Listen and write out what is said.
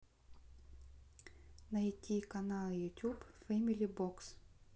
найти канал ютуб фэмили бокс